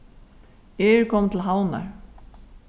eg eri komin til havnar